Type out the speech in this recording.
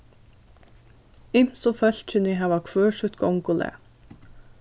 ymsu fólkini hava hvør sítt gongulag